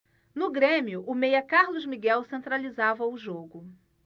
no grêmio o meia carlos miguel centralizava o jogo